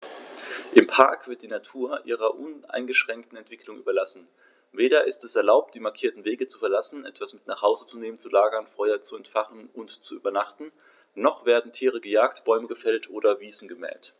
Im Park wird die Natur ihrer uneingeschränkten Entwicklung überlassen; weder ist es erlaubt, die markierten Wege zu verlassen, etwas mit nach Hause zu nehmen, zu lagern, Feuer zu entfachen und zu übernachten, noch werden Tiere gejagt, Bäume gefällt oder Wiesen gemäht.